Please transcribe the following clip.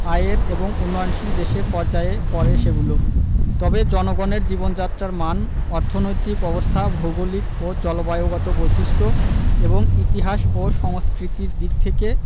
আয়ের এবং উন্নয়নশীল দেশের পর্যায়ে পড়ে সেগুলো তবে জনগণের জীবনযাত্রার মান অর্থনৈতিক অবস্থা ভৌগলিক ও জলবায়ুগত বৈশিষ্ট্য এবং ইতিহাস ও সংস্কৃতির দিক থেকে